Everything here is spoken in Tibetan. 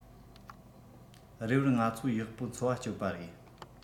རེ བར ང ཚོ ཡག པོ འཚོ བ སྤྱོད པ རེད